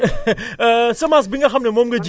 semence bi nga xam ne moom nga ji